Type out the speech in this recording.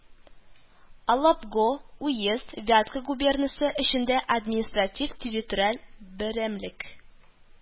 Алабго уезд Вятка губернасы эчендә административ-территориаль берәмлек